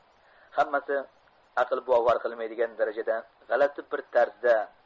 hammasi aql bovar qilmaydigan darajada g'alati bir tarzda